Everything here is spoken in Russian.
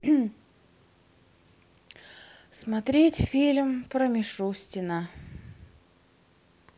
смотреть фильм про мишустина